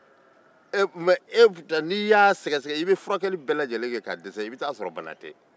i bɛ furakɛli bɛɛ lajɛlen kɛ i bɛ t'a sɔrɔ bana tɛ